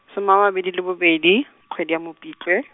soma a mabedi le bobedi, kgwedi ya Mopitlwe.